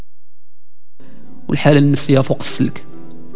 الحاله النفسيه فوق السلك